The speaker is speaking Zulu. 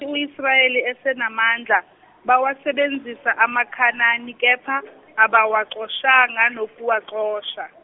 u Israyeli esenamandla, bawasebenzisa amaKhanani kepha, abawaxoshanga nokuwaxosha.